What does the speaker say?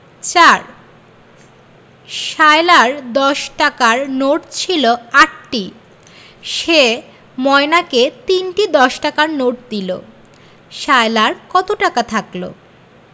৪ সায়লার দশ টাকার নোট ছিল ৮টি সে ময়নাকে ৩টি দশ টাকার নোট দিল সায়লার কত টাকা থাকল